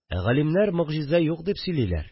Ә галимнәр могҗиза юк дип сөйлиләр